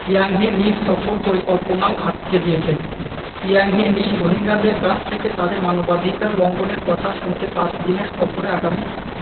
Yanghee লির সফর পরিকল্পনাও আটকে দিয়েছে ইয়াংহি লি রোহিঙ্গাদের কাছ থেকে তাদের মানবাধিকার লঙ্ঘনের কথা শুনতে পাঁচ দিনের সফরে আগামী